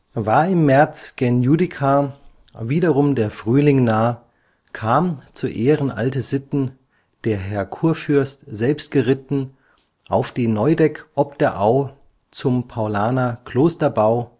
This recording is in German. War im März gen Judica / wiederum der Frühling nah, kam – zu ehren alte Sitten –/ der Herr Kurfürst selbst geritten auf die Neudeck ob der Au / zum Paulaner-Klosterbau